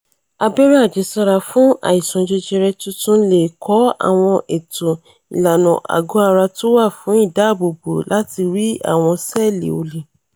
Abẹ́rẹ́ àjẹsára fún àìsàn jẹjẹrẹ tuntun leè kọ́ àwọn ètò ìlànà àgọ́-ara tówà fún ìdáààbòbò láti 'ri' àwọn ṣẹ̵́ẹ̀lì olè.